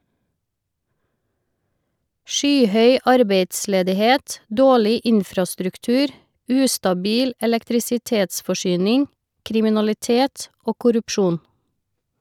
Skyhøy arbeidsledighet, dårlig infrastruktur, ustabil elektrisitetsforsyning, kriminalitet og korrupsjon.